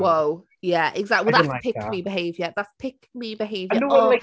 Whoah, yeah, exactly, well that's pick-me behaviour, that's pick-me behaviour oh.